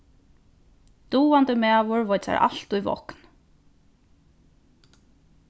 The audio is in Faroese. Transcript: dugandi maður veit sær altíð vákn